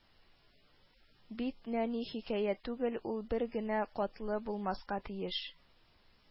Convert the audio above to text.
Бит нәни хикәя түгел, ул бер генә катлы булмаска тиеш